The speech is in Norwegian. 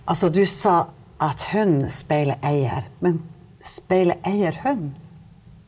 altså du sa at hunden speiler eier, men speiler eier hunden?